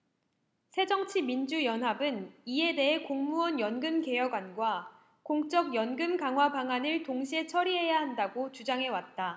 새정치민주연합은 이에 대해 공무원연금 개혁안과 공적연금 강화방안을 동시에 처리해야 한다고 주장해왔다